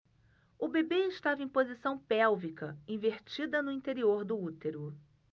o bebê estava em posição pélvica invertida no interior do útero